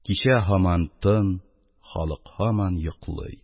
Кичә һаман тын, халык һаман йоклый.